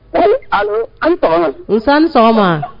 Ee a an usan sɔgɔma